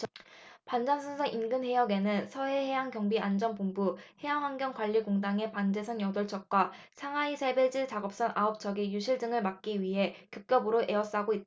반잠수선 인근해역에는 서해해양경비안전본부 해양환경관리공단의 방제선 여덟 척과 상하이 샐비지 작업선 아홉 척이 유실 등을 막기 위해 겹겹으로 에워싸고 있다